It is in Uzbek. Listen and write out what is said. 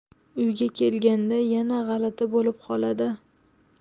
uyga kelganda yana g'alati bo'lib qoladi